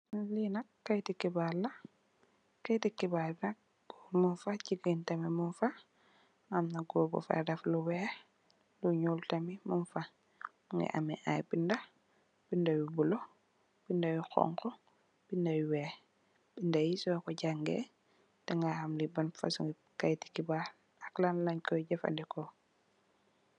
Liinak kaiiti xibarr la kaiiti xibarr mungfa gigeen tamit mungfa amna gorr bufa deff lu wekh lu nyul tamit mungfa mungi ameh ayy binda binda yu bula binda yu xonxu binda yu wekh bindayi soko jangeh dangay ham li ban fosong kaiti xibarr la ak lan lenko jefandiko.